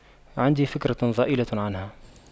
عندي فكرة ضئيلة عنها